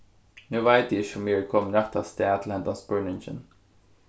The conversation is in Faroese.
nú veit eg ikki um eg eri komin rætta stað til hendan spurningin